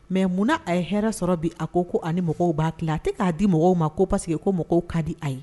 Mɛ munna a ye hɛrɛɛ sɔrɔ bi a ko ko ani mɔgɔw b'a la a tɛ k'a di mɔgɔw ma ko pa que ko mɔgɔw ka di a ye